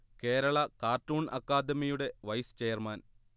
Kerala cartoon അക്കാദമിയുടെ vice chairman